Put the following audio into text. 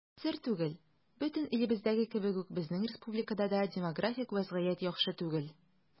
Сер түгел, бөтен илебездәге кебек үк безнең республикада да демографик вазгыять яхшы түгел.